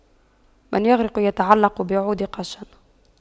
من يغرق يتعلق بعود قش